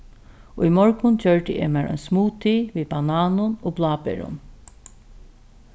í morgun gjørdi eg mær ein smoothie við bananum og bláberum